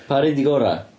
Pa r'un 'di gora?